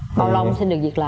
bao lâu em xin được việc làm